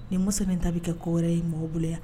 Ni muso min ta bɛ kɛ kɔ wɛrɛ ye mɔgɔ boloya